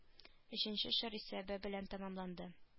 Өченче чор исәбе белән тәмамланды